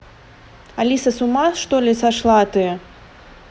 алиса сума чтоли сошла ты